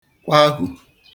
kwahù